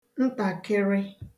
ntàkịrị